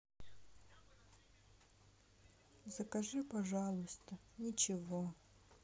закажи пожалуйста ничего